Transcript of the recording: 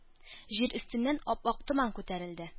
Җир өстеннән ап-ак томан күтәрелде.